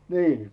niin